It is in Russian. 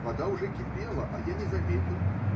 вода уже кипела, а я не заметил